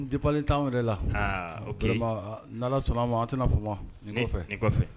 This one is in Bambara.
Bitɔnptan yɛrɛ la o nana sɔnnama a tɛna fɔ ma fɛ